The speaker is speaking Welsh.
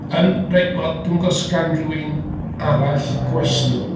Yym reit, wel dwi'm yn gwybod os gan rywun arall gwestiwn?